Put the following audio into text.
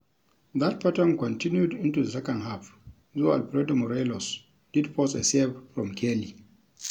That pattern continued into the second half, though Alfredo Morelos did force a save from Kelly.